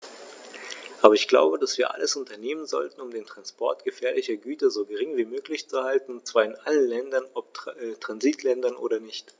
Aber ich glaube, dass wir alles unternehmen sollten, um den Transport gefährlicher Güter so gering wie möglich zu halten, und zwar in allen Ländern, ob Transitländer oder nicht.